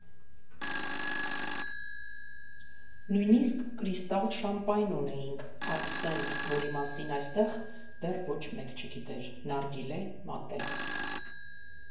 Նույնիսկ «Կրիստալ» շամպայն ունեինք, «Աբսենթ», որի մասին այստեղ դեռ ոչ մեկ չգիտեր, նարգիլե, մատե։